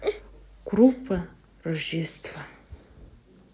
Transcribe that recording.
группа рождество